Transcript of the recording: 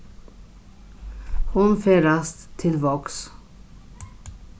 hon ferðast til vágs